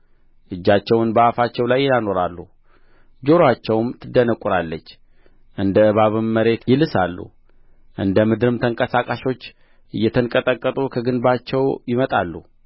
እጃቸውን በአፋቸው ላይ ያኖራሉ ጆሮአቸውም ትደነቍራለች እንደ እባብም መሬት ይልሳሉ እንደ ምድርም ተንቀሳቃሾች እየተንቀጠቀጡ ከግንባቸው ይመጣሉ